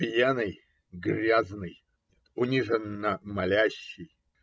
пьяный, грязный, униженно молящий?